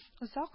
Озак